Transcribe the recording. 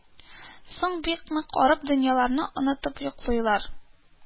Соң бик нык арып, дөньяларын онытып йоклыйлар